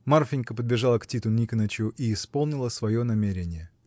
Марфинька подбежала к Титу Никонычу и исполнила свое намерение.